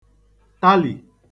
tali